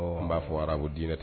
N ba fɔ arabu dinɛ